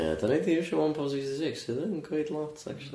Ia, 'dan 'di iwsio one pound sixty six, sydd yn cweit lot actually.